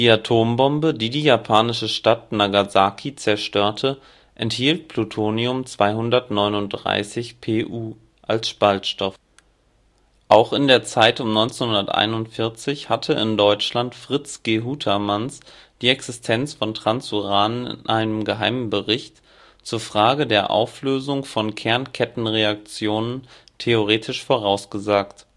Atombombe, die die japanische Stadt Nagasaki zerstörte, enthielt Plutonium 239Pu als Spaltstoff. Auch in der Zeit um 1941 hatte in Deutschland Fritz G. Houtermans die Existenz von Transuranen in einem Geheimbericht " Zur Frage der Auslösung von Kern-Kettenreaktionen " theoretisch vorausgesagt